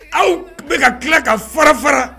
Aw bɛ ka tila ka fara fara